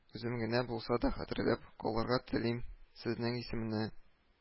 Үзем генә булса да хәтерләп калырга телим сезнең исемне